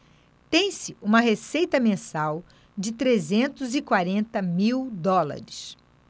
tem-se uma receita mensal de trezentos e quarenta mil dólares